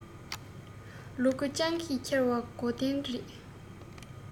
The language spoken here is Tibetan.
ལུ གུ སྤྱང ཀིས འཁྱེར བ དགོས བདེན རེད